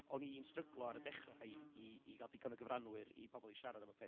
o'n i'n stryglo ar y dechrau i i i gael digon o gyfrannwyr i bobl i siarad am y peth,